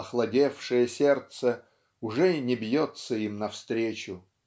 охладевшее сердце уже не бьется им навстречу.